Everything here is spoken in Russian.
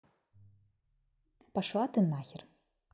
пошла ты нахер